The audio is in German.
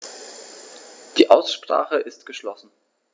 Die Aussprache ist geschlossen.